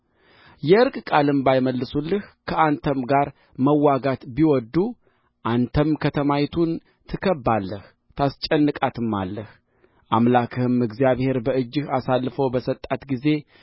የዕርቅ ቃልም ባይመልሱልህ ከአንተም ጋር መዋጋት ቢወድዱ አንተ ከተማይቱን ትከብባለህ ታስጨንቃትማለህ አምላክህም እግዚአብሔር በእጅህ አሳልፎ በሰጣት ጊዜ